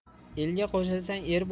elga qo'shilsang er bo'lasan